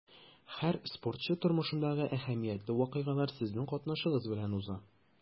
Һәр спортчы тормышындагы әһәмиятле вакыйгалар сезнең катнашыгыз белән уза.